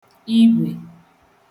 igwè